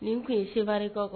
Nin tun ye Sewarekaw k